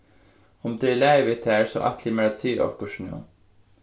um tað er í lagi við tær so ætli eg mær at siga okkurt nú